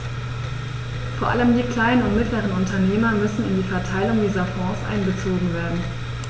Vor allem die kleinen und mittleren Unternehmer müssen in die Verteilung dieser Fonds einbezogen werden.